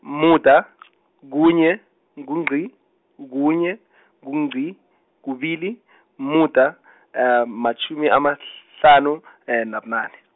munda , kunye, ngungqi, kunye , ngungqi, kubili , umuda , matjhumi amahl- hlanu , nabunane.